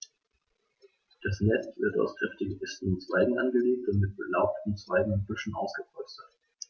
Das Nest wird aus kräftigen Ästen und Zweigen angelegt und mit belaubten Zweigen und Büscheln ausgepolstert.